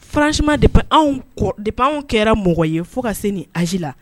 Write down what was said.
Fararansi de deanw kɛra mɔgɔ ye fo ka se nin az la